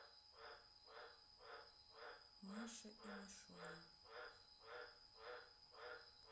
маша и мишуня